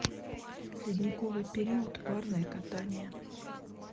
ледниковый период парное катание